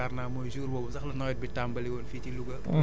yaakaar naa mooy jour boobu sax la nwaet bi tàmbali woon fii ci Louga